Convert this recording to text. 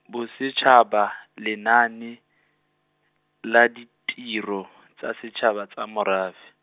Bosetšhaba, Lenaane, la Ditiro, tsa Setšhaba tsa Morafe.